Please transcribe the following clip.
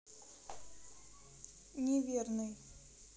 неверный